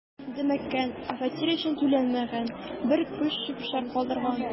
„дөмеккән, ә фатир өчен түләмәгән, бер күч чүп-чар калдырган“.